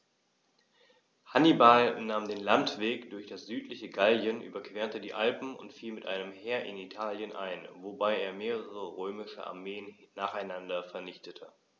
Hannibal nahm den Landweg durch das südliche Gallien, überquerte die Alpen und fiel mit einem Heer in Italien ein, wobei er mehrere römische Armeen nacheinander vernichtete.